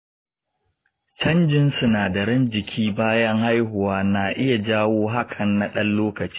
canjin sinadaran jiki bayan haihuwa na iya jawo hakan na ɗan lokaci.